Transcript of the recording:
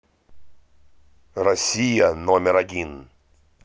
россия номер один